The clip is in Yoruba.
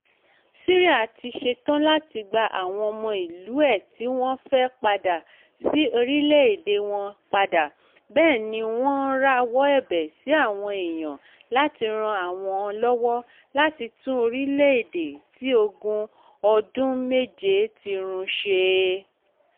Syria ti ṣetán láti gba àwọn ọmọ ìlú e tí wọ́n fẹ́ padà sí orílẹ̀-èdè wọn padà. Bẹ́ẹ̀ ni wọ́n rawọ́ ẹ̀bẹ̀ sí àwọn èèyàn láti ran àwọn lọ́wọ́ láti tún orílẹ̀-èdè tí ogun ọdún méje t run ṣe.